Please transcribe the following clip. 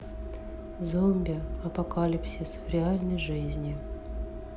зомби апокалипсис в реальной жизни